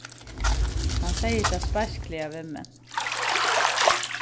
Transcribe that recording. hann segði tað speiskliga við meg